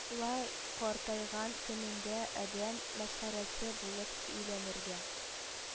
Лай картайган көнендә адәм мәсхәрәсе булып өйләнергә